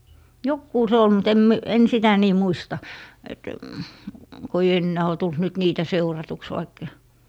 joku se oli mutta en - en sitä niin muista että kun ei enää ole tullut nyt niitä seuratuksi vaikka